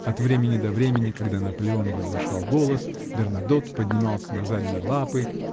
от времени до времени, когда Наполеон возвышал голос, Бернадотт поднимался на задние лапы.